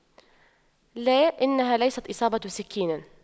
لا إنها ليست اصابة سكين